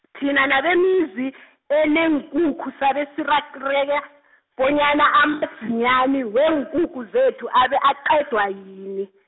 thina nabemizi eneenkukhu sabe sirareka bonyana amadzinyani weenkukhu zethu abe aqedwa yini.